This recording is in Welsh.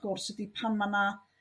gwrs ydi pan ma' 'na